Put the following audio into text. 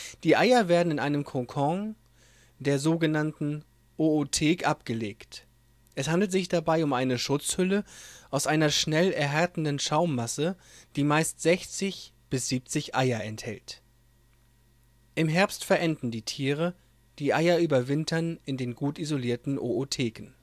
Die Eier werden in einem Kokon, der sogenannten Oothek abgelegt, es handelt sich dabei um eine Schutzhülle aus einer schnell erhärtenden Schaummasse, die meist 60 – 70 Eier enthält. Im Herbst verenden die Tiere, die Eier überwintern in den gut isolierenden Ootheken